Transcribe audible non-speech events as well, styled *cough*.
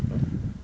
*hesitation* *hesitation*